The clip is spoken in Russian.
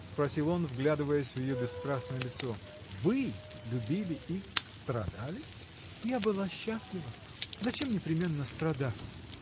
— спросил он, вглядываясь в ее бесстрастное лицо. — Вы любили и. страдали? — Я была счастлива. Зачем непременно страдать?